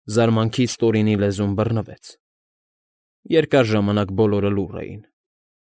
Զարմանքից Տորինի լեզուն բռնկվեց։ Երկար ժամանակ բոլորը լուռ էին։